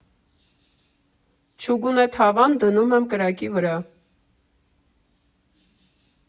Չուգունե թավան դնում եմ կրակի վրա։